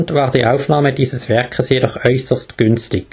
war die Aufnahme dieses Werkes jedoch äusserst günstig